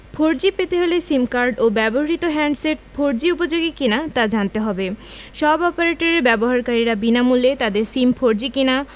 four G পেতে হলে SIM card ও ব্যবহৃত হ্যান্ডসেট ফোরজি উপযোগী কিনা তা জানতে হবে সব অপারেটরের ব্যবহারকারীরা বিনামূল্যে তাদের সিম ফোরজি কিনা